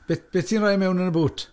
Be be ti'n rhoi mewn yn y boot?